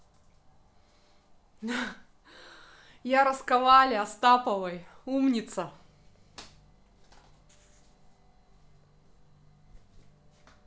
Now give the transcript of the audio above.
я расковали астаповой умница